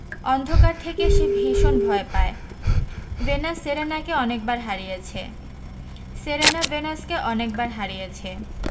অন্ধকার থেকে সে ভীষন ভয় পায় ভেনাস সেরেনাকে অনেকবার হারিয়েছে সেরেনা ভেনাসকে অনেকবার হারিয়েছে